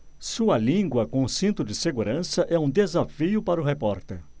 sua língua com cinto de segurança é um desafio para o repórter